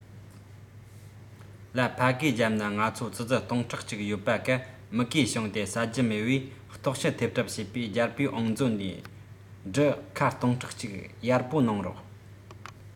ལ ཕ གིའི རྒྱབ ན ང ཚོ ཙི ཙི སྟིང ཕྲག གཅིག ཡོད པ ག མུ གེ བྱུང སྟེ ཟ རྒྱུ མེད བས ལྟོགས ཤི ཐེབས གྲབས བྱེད པས རྒྱལ པོའི བང མཛོད ནས འབྲུ ཁལ སྟོང ཕྲག གཅིག གཡར པོ གནང རོགས